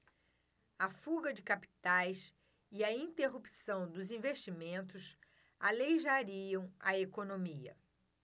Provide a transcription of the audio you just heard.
a fuga de capitais e a interrupção dos investimentos aleijariam a economia